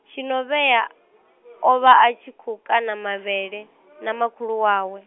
Tshinovhea, o vha a tshi khou kana mavhele , na makhulu wawe.